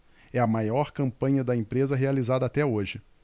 é a maior campanha da empresa realizada até hoje